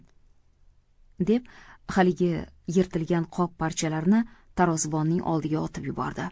deb haligi yirtilgan qop parchalarini tarozibonning oldiga otib yubordi